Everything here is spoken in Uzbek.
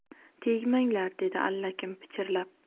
tegmanglar dedi allakim pichirlab